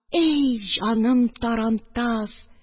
Әй җаным трантас